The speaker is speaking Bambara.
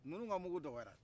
nunu ka mungu dɔgɔyara